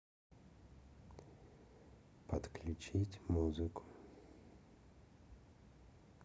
подключить музыку